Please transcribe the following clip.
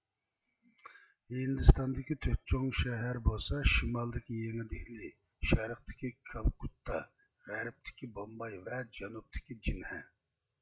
ھىندىستاندىكى تۆت چوڭ شەھەر بولسا شىمالدىكى يېڭى دېھلى شەرقتىكى كالكۇتتا غەربتىكى بومباي ۋە جەنۇبتىكى جىننەھ